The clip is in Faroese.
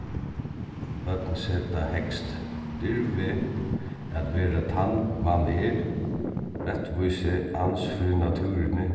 børn seta hægst dirvi at vera tann man er rættvísi ans fyri náttúruni